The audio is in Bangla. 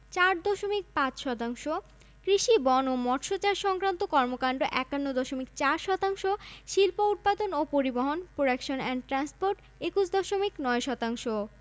০ দশমিক ২ শতাংশ করণিক ক্ল্যারিক্যাল ওয়ার্ক্স ৩ দশমিক ৪ শতাংশ বিপণন সেলস ওয়ার্ক্স ১৪দশমিক ৮ শতাংশ সেবামূলক কর্মকান্ড সার্ভিস ওয়ার্ক্স